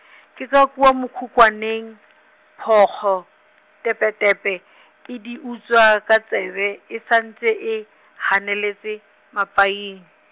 ke ka kua mokhukhwaneng , phokgo tepetepe , e di utswa ka tsebe e sa ntše e, ganeletše, mapaing.